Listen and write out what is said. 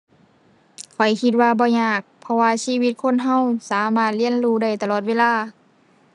ข้อยคิดว่าบ่ยาก เพราะว่าชีวิตคนเราสามารถเรียนรู้ได้ตลอดเวลา